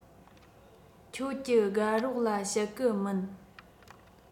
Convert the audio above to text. ཁྱོད ཀྱི དགའ རོགས ལ བཤད གི མིན